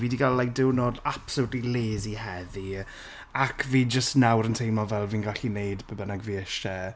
Fi di cael, like, diwrnod absolutely lazy heddi ac fi jyst nawr yn teimlo fel fi'n gallu wneud be bynnag fi eisiau